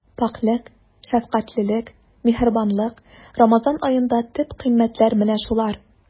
Пакьлек, шәфкатьлелек, миһербанлык— Рамазан аенда төп кыйммәтләр менә шулар.